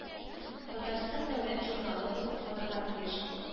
Татарстан дәүләт журналы булып калырга тиеш